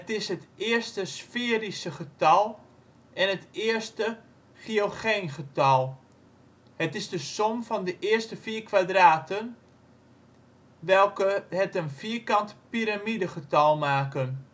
is het eerste sphenische getal en het eerste Giugeengetal. Het is de som van de eerste vier kwadraten, welke het een vierkant piramidegetal maken